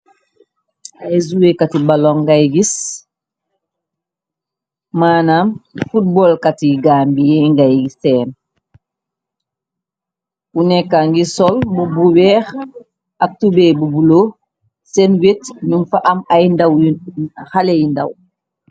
Ay zuwekati balon ngay gis maanam futbolkati gambi ye ngay seen ku nekka ngi sol mu bu weex ak tubee bu bulo seen wet ñum fa am ay xale yu ndaw.